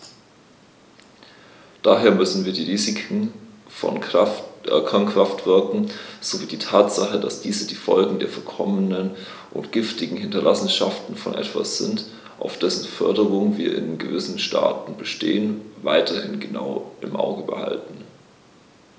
Daher müssen wir die Risiken von Kernkraftwerken sowie die Tatsache, dass diese die Folgen der verkommenen und giftigen Hinterlassenschaften von etwas sind, auf dessen Förderung wir in gewissen Staaten bestehen, weiterhin genau im Auge behalten.